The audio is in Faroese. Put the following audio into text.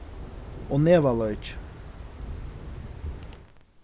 og nevaleiki